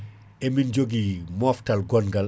emine jogui moftal gonngal